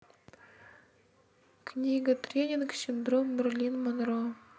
книга тренинг синдром мерлин монро